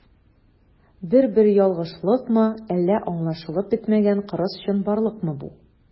Бер-бер ялгышлыкмы, әллә аңлашылып бетмәгән кырыс чынбарлыкмы бу?